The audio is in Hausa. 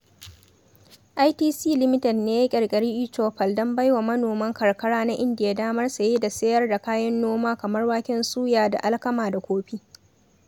ITC Limited ne ya ƙirƙiri e-Choupal don bai wa manoman karkara na India damar saye da sayar da kayan noma kamar waken suya da alkama da kofi.